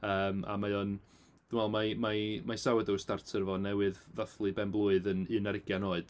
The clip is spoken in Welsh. Yym a mae o'n ... wel, mae mae mae sourdough starter fo newydd ddathlu benblwydd yn un ar ugain oed.